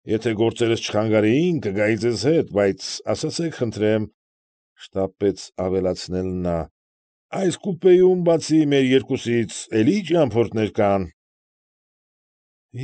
Եթե գործերս չխանգարեին, կգայի ձեզ հետ, բայց ասացեք խնդրեմ,֊ շտապեց ավելացնել նա,֊ այս կուպեում, բացի մեր երկուսից, էլի ճամփորդներ կա՞ն։